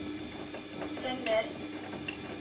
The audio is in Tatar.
Фәннәр